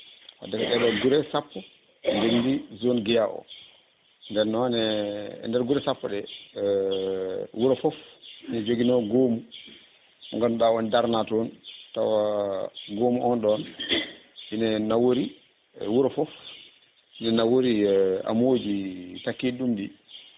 ko nder ɗeɗo guure sappo ndedi zone Guiya o nden noon e nder guure sappo ɗe wuuro foof ne jooguino goomu mo ganduɗa wonde darna toon tawa gooomu on ɗon ine nawori wuuro foof ne nawori amoji takkiɗi ɗum v